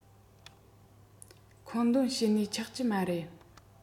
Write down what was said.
མཁོ འདོན བྱེད ནུས ཆགས ཀྱི མ རེད